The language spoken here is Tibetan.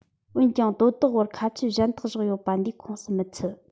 འོན ཀྱང དོ བདག བར ཁ ཆད གཞན དག བཞག ཡོད པ འདིའི ཁོངས སུ མི ཚུད